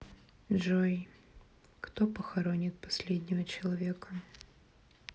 джой кто похоронит последнего человека